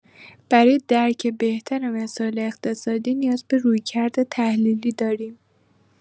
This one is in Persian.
برای درک بهتر مسائل اقتصادی، نیاز به رویکرد تحلیلی داریم.